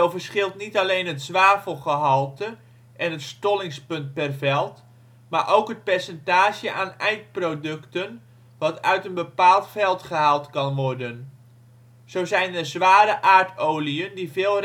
verschilt niet alleen het zwavelgehalte en het stollingspunt per veld maar ook het percentage aan eindproducten wat uit een bepaald veld gehaald kan worden. Zo zijn er zware aardoliën die veel